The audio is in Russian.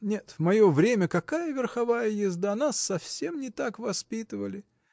Нет, в мое время какая верховая езда! нас совсем не так воспитывали.